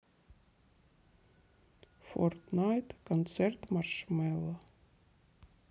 форт найт концерт маршмелло